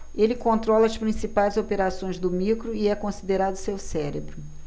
ele controla as principais operações do micro e é considerado seu cérebro